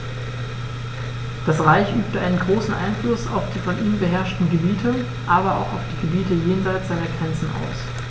Das Reich übte einen großen Einfluss auf die von ihm beherrschten Gebiete, aber auch auf die Gebiete jenseits seiner Grenzen aus.